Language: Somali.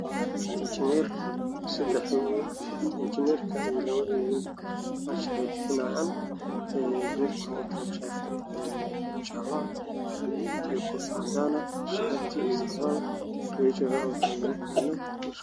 Waa sadex nin oo injineer